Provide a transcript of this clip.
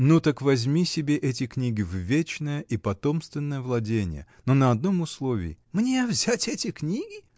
— Ну так возьми себе эти книги в вечное и потомственное владение, но на одном условии. — Мне, взять эти книги!